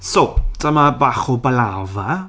So dyma bach o balafa.